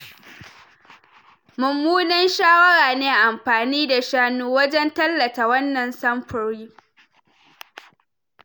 “Mummunan shawara ne amfani da shanu wajan tallata wannan samfuri.